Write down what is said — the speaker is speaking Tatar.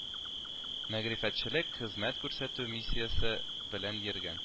Мәгърифәтчелек, хезмәт күрсәтү миссиясе белән йөргән